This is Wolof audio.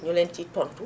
ñu leen ciy tontu